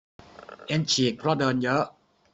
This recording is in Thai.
เอ็นฉีกเพราะเดินเยอะ